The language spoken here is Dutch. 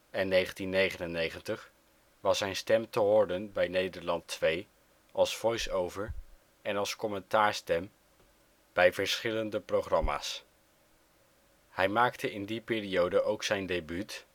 en 1999 was zijn stem te horen bij Nederland 2 als voice-over en als commentaarstem bij verschillende programma 's. Hij maakte in die periode ook zijn debuut